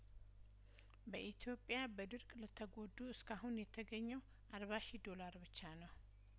በኢትዮጵያ በድርቅ ለተጐዱ እስካሁን የተገኘው አርባ ሺ ዶላር ብቻ ነው